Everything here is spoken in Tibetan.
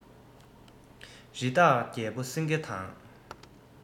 རི དྭགས རྒྱལ པོ སེང གེ དང